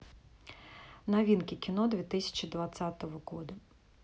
новинки кино две тысячи двадцатого года